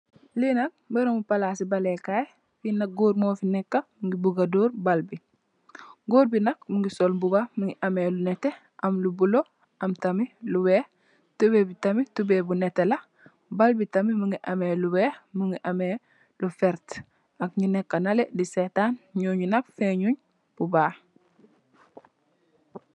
Liinak baramu palasi baleh kai final gorr mofi neka mungi buga dorr balbi gorr bi nak mungi sol mbuba mungi ameh lu netteh am lu bulo am tamit lu wekh tuboybi tamit tuboy bu netteh la balbi tamit mungi ameh lu wekh mungi ameh lu vertt ak ñi neka neleh di setan ñoñunak feñuñ bu bah.